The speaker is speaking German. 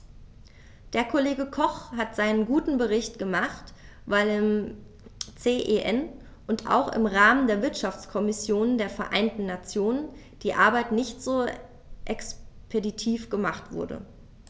Der Kollege Koch hat seinen guten Bericht gemacht, weil im CEN und auch im Rahmen der Wirtschaftskommission der Vereinten Nationen die Arbeit nicht so expeditiv gemacht wurde.